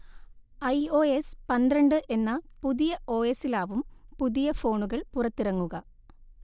I oh S പന്ത്രണ്ടു എന്ന പുതിയ ഓഎസി ലാവും പുതിയ ഫോണുകൾ പുറത്തിറങ്ങുക